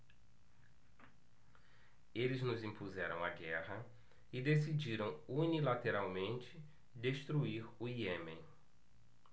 eles nos impuseram a guerra e decidiram unilateralmente destruir o iêmen